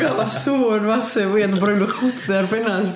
Ac oedd 'na sŵn massive weird fatha bod rhywun yn chwydu ar ffenest.